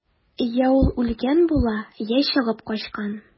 Йә ул үлгән була, йә чыгып качкан.